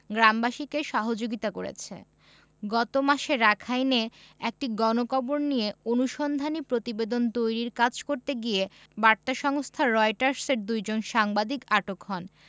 গ্রামবাসীকে সহযোগিতা করেছে গত মাসে রাখাইনে একটি গণকবর নিয়ে অনুসন্ধানী প্রতিবেদন তৈরির কাজ করতে গিয়ে বার্তা সংস্থা রয়টার্সের দুজন সাংবাদিক আটক হন